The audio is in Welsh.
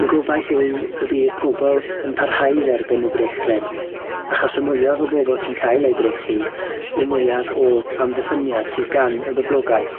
Y gobaith yw y bydd pobol yn parhau i dderbyn y brechlyn, achos y mwyaf o bobl sy'n cael ei brechu, y mwyaf o amddiffyniad sydd gan y boblogaeth